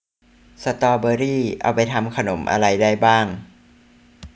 สตอเบอร์รี่เอาไปทำขนมอะไรได้บ้าง